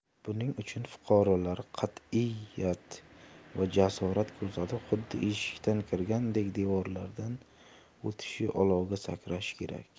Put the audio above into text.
buning uchun fuqarolar qat'iyat va jasorat ko'rsatib xuddi eshikdan kirgandek devorlardan o'tishi olovga sakrashi kerak